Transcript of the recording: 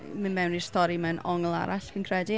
Mynd mewn i'r stori mewn ongl arall fi'n credu.